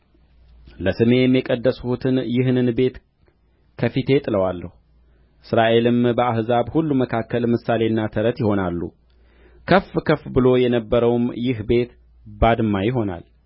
ለስሜም የቀደስሁትን ይህን ቤት ከፊቴ እጥለዋለሁ እስራኤልም በአሕዛብ ሁሉ መካከል ምሳሌና ተረት ይሆናሉ ከፍ ከፍ ብሎ የነበረውም ይህ ቤት ባድማ ይሆናል